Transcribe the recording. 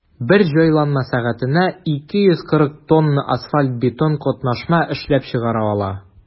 Бер җайланма сәгатенә 240 тонна асфальт–бетон катнашма эшләп чыгара ала.